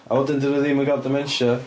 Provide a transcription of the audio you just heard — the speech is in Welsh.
A wedyn 'dyn nhw ddim yn cael dementia.